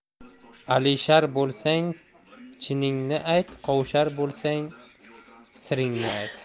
alishar bo'lsang chiningni ayt qovushar bo'lsang siringni ayt